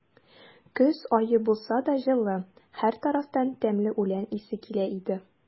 Көз ае булса да, җылы; һәр тарафтан тәмле үлән исе килә иде.